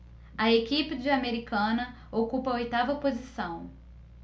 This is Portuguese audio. a equipe de americana ocupa a oitava posição